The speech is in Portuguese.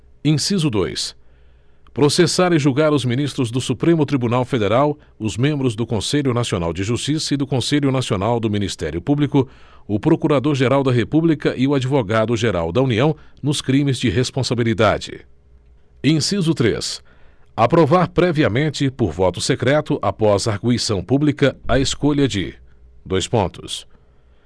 inciso dois processar e julgar os ministros do supremo tribunal federal os membros do conselho nacional de justiça e do conselho nacional do ministério público o procurador geral da república e o advogado geral da união nos crimes de responsabilidade inciso três aprovar previamente por voto secreto após argüição pública a escolha de dois pontos